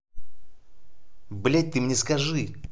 блядь ты мне скажи